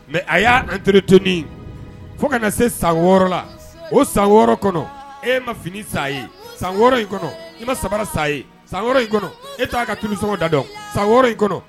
Mais a ya entretenue fo ka na se san 6 la . O san 6 kɔnɔ e ma fini san a ye . San 6 in kɔnɔ e ma sabara san a ye . Wan 6 in kɔnɔ e ta ka tulu sɔngɔ da dɔn san 6 in kɔnɔ